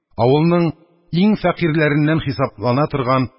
Авылның иң фәкыйрьләреннән хисаплана торган